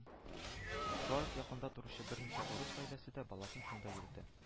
Шулай ук якында торучы берничә урыс гаиләсе дә баласын шунда йөретә